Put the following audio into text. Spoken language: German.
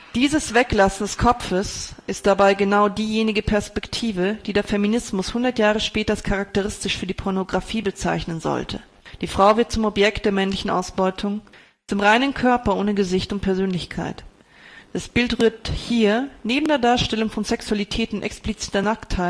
Dieses Weglassen des Kopfes ist dabei genau diejenige Perspektive, die der Feminismus hundert Jahre später als charakteristisch für die Pornographie bezeichnen sollte: Die Frau wird zum Objekt der männlichen Ausbeutung, zum reinen Körper ohne Gesicht und Persönlichkeit. Das Bild rührt hier – neben der Darstellung von Sexualität und expliziter Nacktheit – an ein